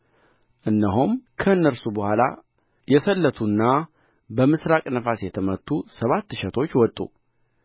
እነሆም ከእነርሱ በኋላ የሰለቱና በምሥራቅ ነፋስ የተመቱ ሰባት እሸቶች ወጡ